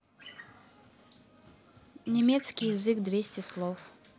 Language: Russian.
немецкий язык двести слов